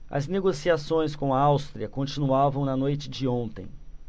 as negociações com a áustria continuavam na noite de ontem